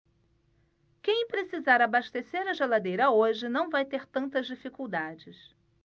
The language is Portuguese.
quem precisar abastecer a geladeira hoje não vai ter tantas dificuldades